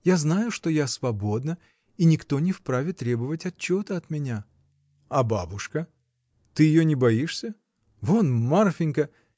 Я знаю, что я свободна, и никто не вправе требовать отчета от меня. — А бабушка? Ты ее не боишься? Вон Марфинька.